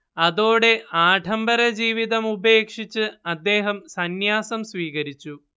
അതോടെ ആഢംബരജീവിതം ഉപേക്ഷിച്ച് അദ്ദേഹം സന്യാസം സ്വീകരിച്ചു